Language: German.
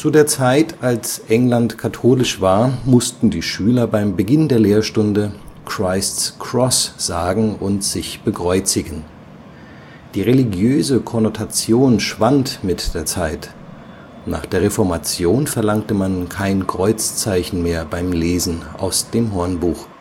der Zeit, als England katholisch war, mussten die Schüler beim Beginn der Lehrstunde “Christ’ s cross” sagen und sich bekreuzigen. Die religiöse Konnotation schwand mit der Zeit; nach der Reformation verlangte man kein Kreuzzeichen mehr beim Lesen aus dem Hornbuch